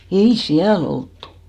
ei siellä oltu